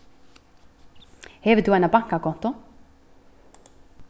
hevur tú eina bankakontu